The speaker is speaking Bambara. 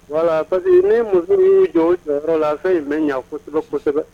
Wala parce que ni muso don jɔyɔrɔyɔrɔ la fɛn in bɛ ɲɛ kosɛbɛ kosɛbɛ